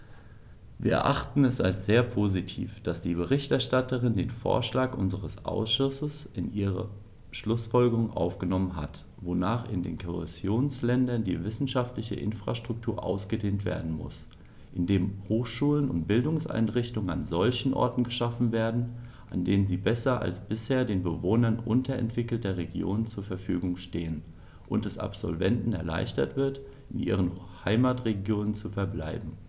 Wir erachten es als sehr positiv, dass die Berichterstatterin den Vorschlag unseres Ausschusses in ihre Schlußfolgerungen aufgenommen hat, wonach in den Kohäsionsländern die wissenschaftliche Infrastruktur ausgedehnt werden muss, indem Hochschulen und Bildungseinrichtungen an solchen Orten geschaffen werden, an denen sie besser als bisher den Bewohnern unterentwickelter Regionen zur Verfügung stehen, und es Absolventen erleichtert wird, in ihren Heimatregionen zu verbleiben.